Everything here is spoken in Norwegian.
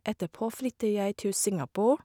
Etterpå flytte jeg til Singapore.